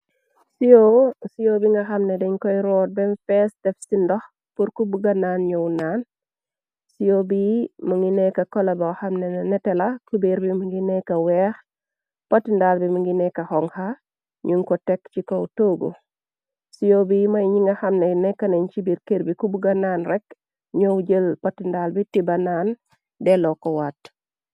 Siwo, siyow bi nga xamne dañ koy rood bem fees def ci ndox pur ku buga naan ñoon naan. Siyow bi më ngi nekka kola bo xamne nete la kubeer bi ngi nekka weex, potindaal bi mingi nekka honxa. Ñun ko tekk ci kow toogu. Siyoo bi moy ñi nga xamne nekka nañ ci biir kër bi, ku buga naan rekk, ñoow jël potindaal bi tiba naan delo ko watt.